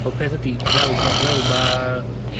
Ond peth ydi fel by- fel ma'